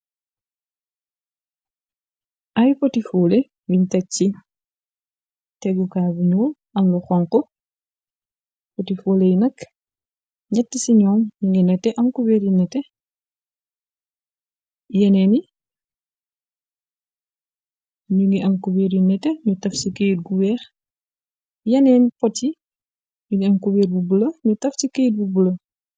ay poti fuule biñ tej ci tegukaa binu amlu xonko poti foole yi nakk ñett ci ñoom ñu ngi nete ankuweer yi nete yeneeni ñu ngi ankuwéer yu nete ñu taf ci kit gu weex yeneen potyi yini amkuweer bu bula ñu taf ci keyr bu bula